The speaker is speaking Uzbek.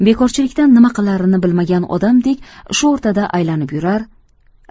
bekorchilikdan nima qilarini bilmagan odamdek shu o'rtada aylanib yurar